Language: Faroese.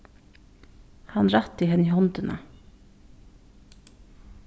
hann rætti henni hondina